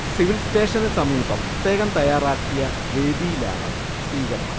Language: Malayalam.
സിവിൽ സേ്റ്റഷന് സമീപം പ്രത്യേകം തയ്യാറാക്കിയ വേദിയിലാണ് സ്വീകരണം